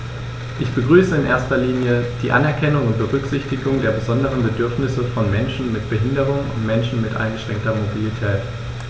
Ich begrüße in erster Linie die Anerkennung und Berücksichtigung der besonderen Bedürfnisse von Menschen mit Behinderung und Menschen mit eingeschränkter Mobilität.